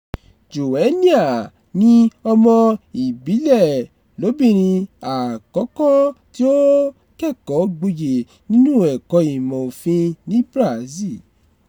Joenia ni ọmọ ìbílẹ̀ lóbìnrin àkọ́kọ́ tí ó kẹ́kọ̀ọ́ gboyè nínú ẹ̀kọ́ ìmọ̀ òfin ní Brazil.